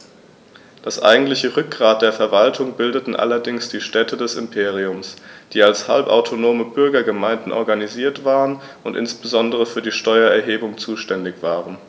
Das eigentliche Rückgrat der Verwaltung bildeten allerdings die Städte des Imperiums, die als halbautonome Bürgergemeinden organisiert waren und insbesondere für die Steuererhebung zuständig waren.